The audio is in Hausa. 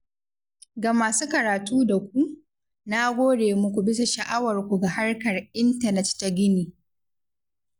Ga masu karatu da ku, na gode muku bisa sha'awarku ga harkar intanet ta Guinea.